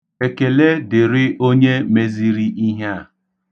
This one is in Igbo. Ekele dịrị onye meziri ihe a.